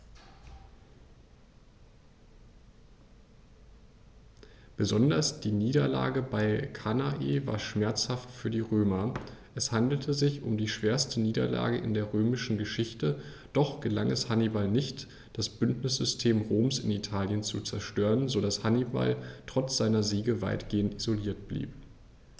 Besonders die Niederlage bei Cannae war schmerzhaft für die Römer: Es handelte sich um die schwerste Niederlage in der römischen Geschichte, doch gelang es Hannibal nicht, das Bündnissystem Roms in Italien zu zerstören, sodass Hannibal trotz seiner Siege weitgehend isoliert blieb.